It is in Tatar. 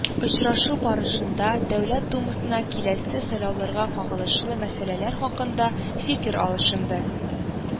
Очрашу барышында Дәүләт Думасына киләсе сайлауларга кагылышлы мәсьәләләр хакында фикер алышынды